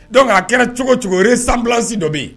Donc a kɛra cogo cogo ye resemblance dɔ bɛ yen